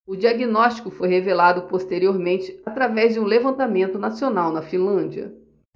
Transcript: o diagnóstico foi revelado posteriormente através de um levantamento nacional na finlândia